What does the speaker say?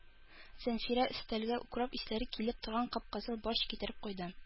Зәнфирә өстәлгә укроп исләре килеп торган кып-кызыл борщ китереп куйды.